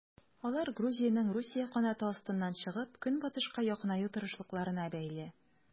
Алар Грузиянең Русия канаты астыннан чыгып, Көнбатышка якынаю тырышлыкларына бәйле.